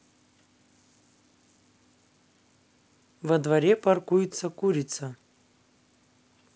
во дворе паркуется курица